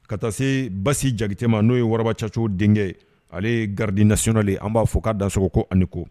Ka taa se basi jakitɛ ma n'o ye wa cacogo denkɛ ale garid nasɔlen an b'a fɔ k'a daso ko ani ko